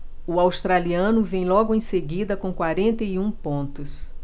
o australiano vem logo em seguida com quarenta e um pontos